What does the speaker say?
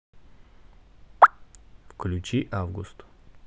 включи август